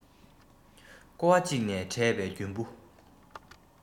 ཀོ བ གཅིག ནས དྲས པའི རྒྱུན བུ